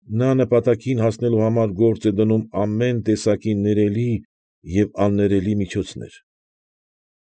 Սա նպատակին հասնելու համար գործ է դնում ամեն տեսակի ներելի և աններելի միջոցներ։